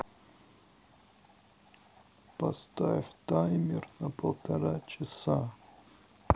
поставь таймер на полтора часа